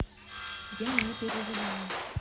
я не переживаю